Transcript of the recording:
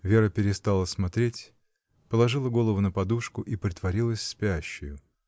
Вера перестала смотреть, положила голову на подушку и притворилась спящею.